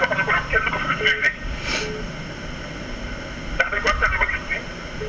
yoo xam ne * kenn du ko utilisé ndax dañ koo seetlu ba gis ni